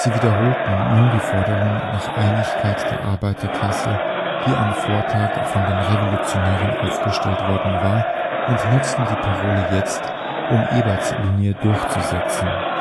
wiederholten nun die Forderung nach „ Einigkeit der Arbeiterklasse “, die am Vortag von den Revolutionären aufgestellt worden war und nutzten die Parole jetzt, um Eberts Linie durchzusetzen